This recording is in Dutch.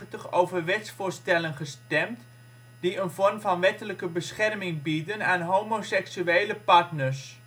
wetsvoorstellen gestemd die een vorm van wettelijk bescherming bieden aan homoseksuele partners